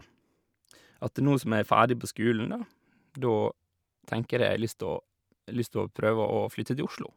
At nå som jeg ferdig på skolen, da, da tenker jeg jeg har lyst å lyst å prøve å flytte til Oslo.